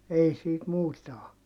ei siitä muuta ole